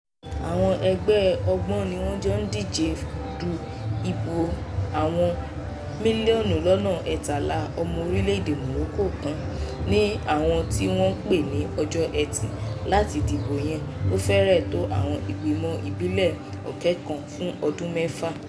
Àwọn ẹgbẹ́ ọgbọ́n ni wọ́n jọ ń díje du ìbò àwọn 13 mílíọ̀nù ọmọ orílẹ̀ èdè Morocco kan ní àwọn tí wọ́n pè ní ọjọ́ Ẹtì láti dìbò yẹn ó fẹ́rẹ̀ tó àwọn ìgbìmọ̀ ìbílẹ̀ 20,000 fún ọdún mẹ́fà.